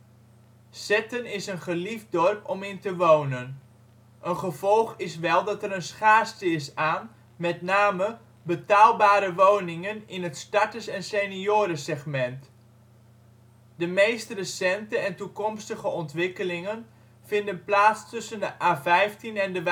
Zetten is een geliefd dorp om in te wonen. Een gevolg is wel dat er een schaarste is aan, met name, betaalbare woningen in het starters - en seniorensegment. De meest recente en toekomstige ontwikkelingen vinden plaats tussen de A15 en de Wageningsestraat